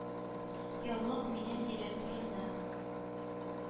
Яулык минем йөрәк турында,